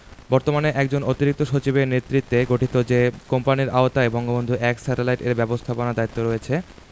বর্তমানে একজন অতিরিক্ত সচিবের নেতৃত্বে গঠিত যে কোম্পানির আওতায় বঙ্গবন্ধু ১ স্যাটেলাইট এর ব্যবস্থাপনার দায়িত্ব রয়েছে